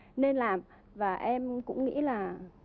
nên làm và em cũng nghĩ là